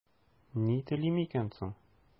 Ни телим икән соң?